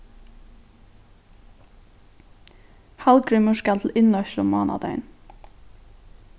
hallgrímur skal til innleiðslu mánadagin